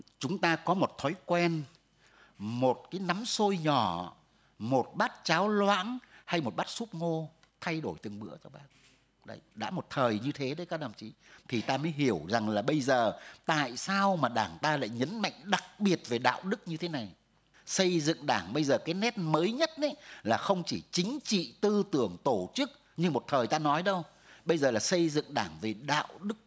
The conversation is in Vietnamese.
chúng ta có một thói quen một nắm xôi nhỏ một bát cháo loãng hay một bát súp ngô thay đổi từng bữa đã một thời như thế đấy các đồng chí thì ta mới hiểu rằng là bây giờ tại sao mà đảng ta lại nhấn mạnh đặc biệt về đạo đức như thế này xây dựng đảng bây giờ cái net mới nhất định là không chỉ chính trị tư tưởng tổ chức như một thời ta nói đâu bây giờ là xây dựng đảng về đạo đức